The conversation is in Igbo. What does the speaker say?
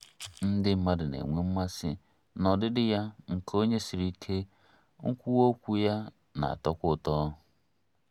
Ndị mmadụ na-enwe mmasị n'ọdịdị ya nke onye siri ike, nkwuwa okwu ya na-atọkwa ụtọ.